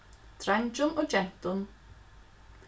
dreingjum og gentum